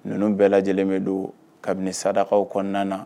Ninnu bɛɛ lajɛlen bɛ don kabinisadakaw kɔnɔna na